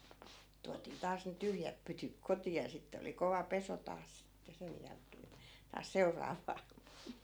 tuotiin taas ne tyhjät pytyt kotiin ja sitten oli kova pesu taas sitten sen jälkeen taas seuraavaa